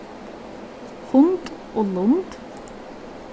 hund og lund